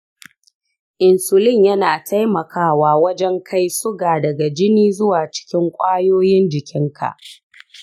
insulin yana taimakawa wajen kai suga daga jini zuwa cikin ƙwayoyin jikinka.